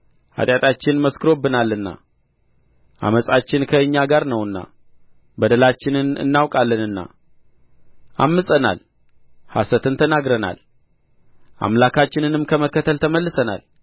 ኃጢአታችን መስክሮብናልና ዓመፃችን ከእኛ ጋር ነውና በደላችንን እናውቃለንና ዐምፀናል ሐሰትን ተናግረናል አምላካችንንም ከመከተል ተመልሰናል